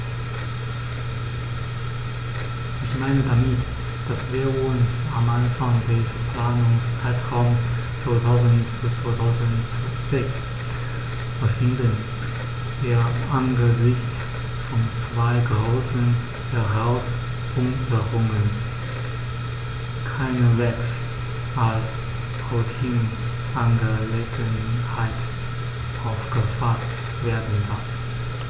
Ich meine damit, dass wir uns am Anfang des Planungszeitraums 2000-2006 befinden, der angesichts von zwei großen Herausforderungen keineswegs als Routineangelegenheit aufgefaßt werden darf.